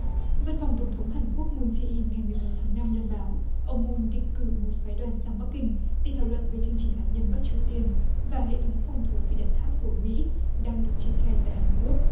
văn phòng tổng thống hàn quốc mun dê in ngày mười một tháng năm loan báo ông mun định cử một phái đoàn sang bắc kinh để thảo luận về chương trình hạt nhân bắc triều tiên và hệ thống phòng thủ phi đạn thác của mỹ đang được triển khai tại hàn quốc